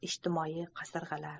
ijtimoiy qasirg'alar